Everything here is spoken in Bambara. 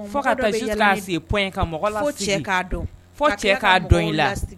I